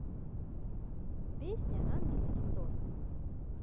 песня ангельский торт